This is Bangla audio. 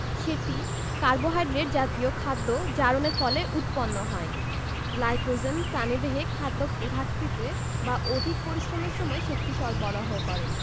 সেটি কার্বোহাইড্রেট জাতীয় খাদ্য জারণের ফলে উৎপন্ন হয় গ্লাইকোজেন প্রাণীদেহে খাদ্যঘাটতিতে বা অধিক পরিশ্রমের সময় শক্তি সরবরাহ করে